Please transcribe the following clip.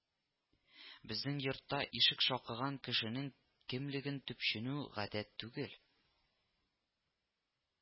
Безнең йортта ишек шакыган кешенең кемлеген төпченү гадәт түгел